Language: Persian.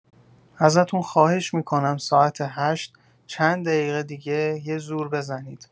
ازتون خواهش می‌کنم ساعت هشت چند دیقه دیگه یه زور بزنید